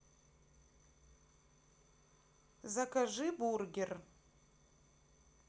закажи бургер